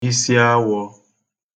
isiawō